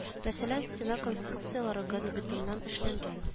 Мәсәлән стена конструкцияләре газобетоннан эшләнгән